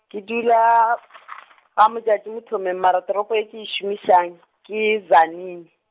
ke dula , gaModjadji Mothopeng mare toropo ye ke e šomišang, ke Tzaneen.